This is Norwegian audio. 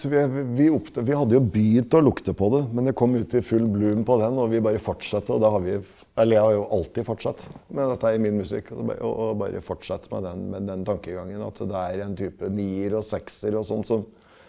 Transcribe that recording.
vi vi vi hadde jo begynt å lukte på det, men det kom ut i full på den og vi bare fortsatte og det har vi eller jeg har jo alltid fortsatt med dette i min musikk, også og og bare fortsatt med den med den tankegangen at det er en type nier og sekser og sånn som.